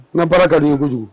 N' baara ka nin kojugu